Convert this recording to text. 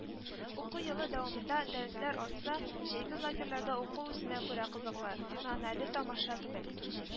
Уку елы дәвамында дәресләр арытса, җәйге лагерьларда уку үзенә күрә кызыклы, мәгънәле тамаша кебек